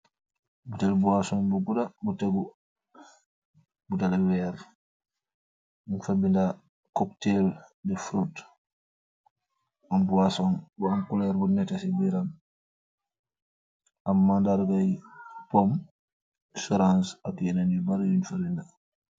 Butel buwaasong bu guda, bu tegu, buteli weer ñung fa binda"cocktail the fruit", mu am buwaasong bu am kulor bu ñette si biiram, am mandar gay pom, soraans ak yenen yu bari yuñg fa binda.